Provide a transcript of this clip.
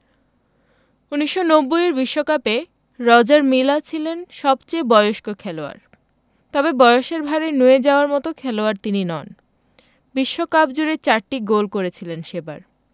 ১৯৯০ এর বিশ্বকাপে Roger Milla ছিলেন সবচেয়ে বয়স্ক খেলোয়াড় তবে বয়সের ভাঁড়ে নুয়ে যাওয়ার মতো খেলোয়াড় নন তিনি বিশ্বকাপজুড়ে চারটি গোল করেছিলেন সেবার